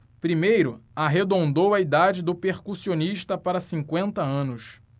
primeiro arredondou a idade do percussionista para cinquenta anos